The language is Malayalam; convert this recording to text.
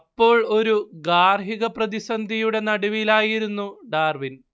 അപ്പോൾ ഒരു ഗാർഹിക പ്രതിസന്ധിയുടെ നടുവിലായിരുന്നു ഡാർവിൻ